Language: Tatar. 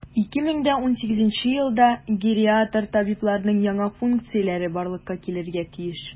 2018 елда гериатр табибларның яңа функцияләре барлыкка килергә тиеш.